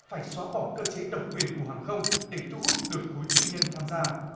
phải xóa bỏ cơ chế độc quyền của hàng không để thu hút được khối tư nhân tham gia